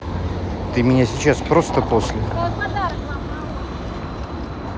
ты меня сейчас просто после